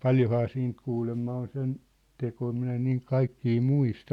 paljonhan siitä kuulemma on sen tekoja minä en niin kaikkia muista